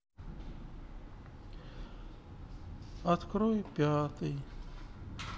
открой пятый